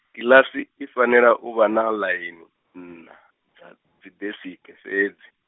kiḽasi i fanela u vha na ḽaini, nṋa, dza dzidesike fhedzi.